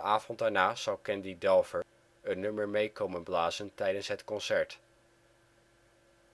avond daarna zal Candy Dulfer een nummer mee komen blazen tijdens het concert.